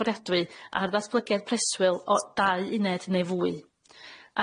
fforddiadwy ar ddatblygiad preswyl o dau uned neu fwy.